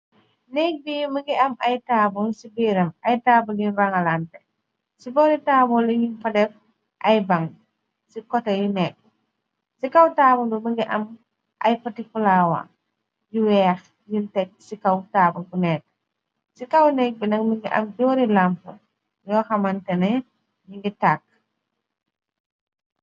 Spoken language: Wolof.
Neeg bi mongi am ay taabul ci biiram ay taabul yuñ rangalanté ci boori taabul yi ñung fa def ay bang ci koté yu nekka ci kaw taabul lu mogi am ay poti flawa yu weex yun teg ci kaw taabul bu nekka ci kaw neeg bi nag mongi am joori lamp yoo xamantene ñungi tàkka.